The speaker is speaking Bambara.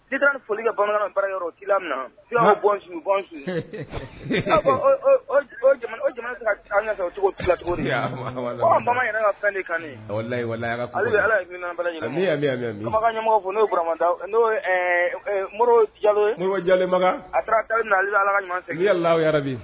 Foli ka bamanan fara yɔrɔ ci sunjata sunjata ka cogo la tuguni ka kan ala ɲɛmɔgɔ fɔ n'omata n mori ja makan na ala ka yɛlɛlabi